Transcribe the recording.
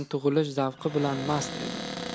tug'ilish zavqi bilan mast edi